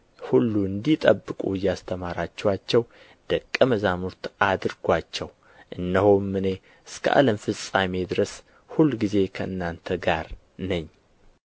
ሁሉ እንዲጠብቁ እያስተማራችኋቸው ደቀ መዛሙርት አድርጓቸው እነሆም እኔ እስከ ዓለም ፍጻሜ ድረስ ሁልጊዜ ከእናንተ ጋር ነኝ